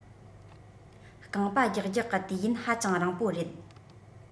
རྐང པ རྒྱག རྒྱག གི དུས ཡུན ཧ ཅང རིང པོ རེད